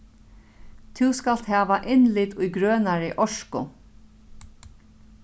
tú skalt hava innlit í grønari orku